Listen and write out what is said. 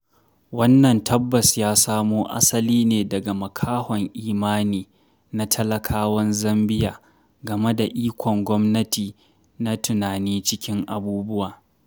Wannan tabbas ya samo asali ne daga “makahon imani” na talakawan Zambiya game da ikon gwamnati na tunani cikin abubuwa.